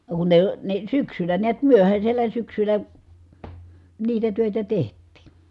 no kun ne ne syksyllä näet myöhäisellä syksyllä niitä töitä tehtiin